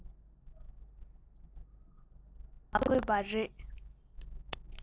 རེ རེ ལྡན པའང